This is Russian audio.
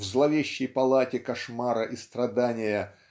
в зловещей палате кошмара и страдания